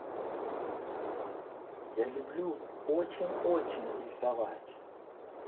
я люблю очень очень рисовать